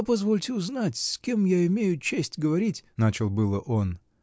— Позвольте узнать, с кем я имею честь говорить. — начал было он.